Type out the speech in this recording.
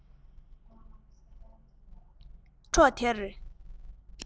སློབ གྲོགས དེར